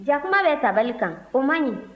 jakuma bɛ tabali kan o man ɲi